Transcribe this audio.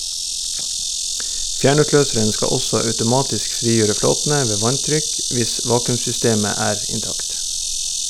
Fjernutløseren skal også automatisk frigjøre flåtene ved vanntrykk hvis vakuum-systemet er intakt.